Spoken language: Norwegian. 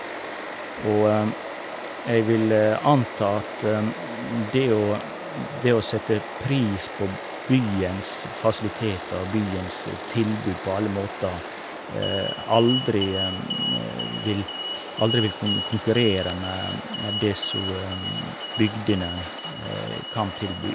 Og jeg vil anta at det å det å sette pris på byens fasiliteter og byens tilbud på alle måter, aldri vil aldri vil kunne konkurrere med med det som bygdene kan tilby.